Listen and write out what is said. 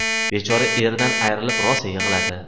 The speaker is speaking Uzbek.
bechora eridan ayrilib rosa yig'ladi